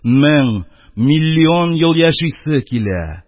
Мең, миллион ел яшисе килә.